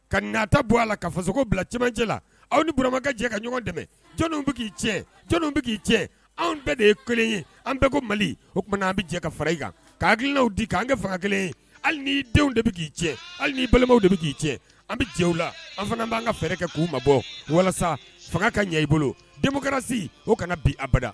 Ka nka ta bɔ a la ka fasoko bila cɛmanjɛ la aw niuramakɛ jɛ ka ɲɔgɔn dɛmɛ jɔnw bɛ k'i cɛ bɛ k'i cɛ anw bɛɛ de ye kelen ye an bɛɛ ko mali o tumaumana an bɛ jɛ ka fara i kan kakilinaw di k' an ka faga kelen ye hali nii denw de bɛ k'i cɛ hali ni i balimaw de bɛ k'i cɛ an bɛ jɛ la an fana b'an ka fɛɛrɛ kɛ k' uu ma bɔ walasa fanga ka ɲɛ i bolo den kɛra se o kana bi abada